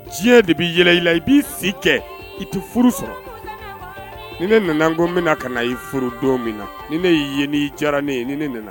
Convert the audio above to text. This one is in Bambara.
Diɲɛ de bɛi yɛlɛ i la i b'i si kɛ i tɛ furu sɔrɔ ne nana n ko bɛna ka na i furu don min na ni ne y' ye i diyara ne ye ne nana